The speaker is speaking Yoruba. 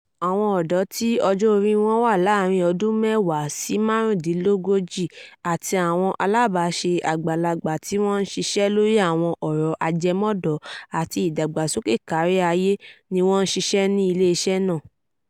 Àwọn ọ̀dọ́ tí ọjọ́ orí wọn wà láàárín ọdún mẹ́wàá sí márùndínlógójì àti àwọn alábàáṣe àgbàlagbà tí wọ́n ń ṣiṣẹ́ lórí àwọn ọ̀rọ̀ ajẹmọ́dọ̀ọ́-àti-ìdàgbàsókè káríayé ni wọ́n ń ṣiṣẹ́ ní ilé-iṣẹ́ náà.